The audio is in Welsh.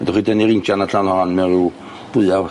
Fedrwch chi dynnu'r injan allan o hon mewn ryw dwy awr.